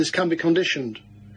This can be conditioned.